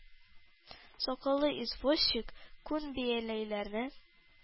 Сакаллы извозчик, күн бияләйләрен